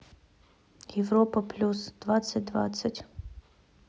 европа плюс двадцать двадцать